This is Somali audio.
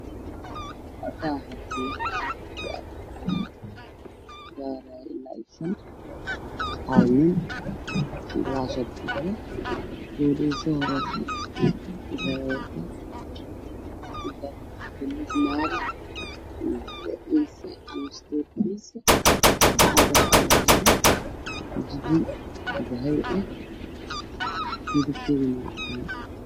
Meeshaan waxaa fadhiya naga waxay ku fadhiyaan kuraas xiiqa qabaan xijaabo iyo cadaadii xijaabo gudahood ah dhulku waa cadaan